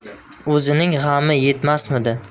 o'zining g'ami yetmasmidi